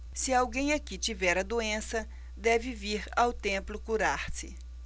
se alguém aqui tiver a doença deve vir ao templo curar-se